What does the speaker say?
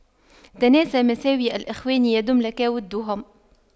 تناس مساوئ الإخوان يدم لك وُدُّهُمْ